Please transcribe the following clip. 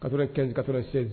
Ka ka seli